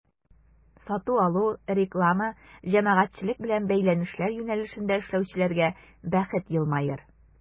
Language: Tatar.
Сату-алу, реклама, җәмәгатьчелек белән бәйләнешләр юнәлешендә эшләүчеләргә бәхет елмаер.